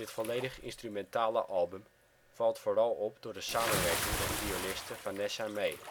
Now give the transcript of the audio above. volledig instrumentale album valt vooral op door de samenwerking met violiste Vanessa-Mae